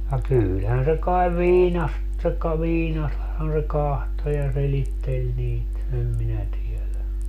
ja kyllähän se kai viina tai viinastahan se katsoi ja selitteli niitä en minä tiedä